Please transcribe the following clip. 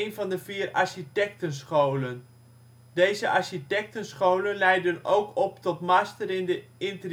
van de vier architectenscholen (zie ook hogeschool). Deze architectenscholen leiden ook op tot " Master in de interieurarchitectuur